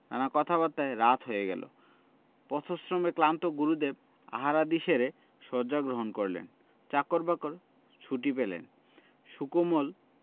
নানা কথাবার্তায় রাত হয়ে গেল পথশ্রমে ক্লান্ত গুরুদেব আহারাদি সেরে শয্যা গ্রহণ করলেন চাকর বাকর ছুটি পেলেন সুকোমল